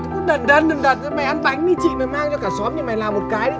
cũng đần đần đần đần ra mày ăn bánh đi chị mày mang cho cả xóm thì mày làm một cái đi